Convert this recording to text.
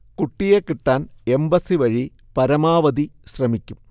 കുട്ടിയെ കിട്ടാൻ എംബസി വഴി പരമാവധി ശ്രമിക്കും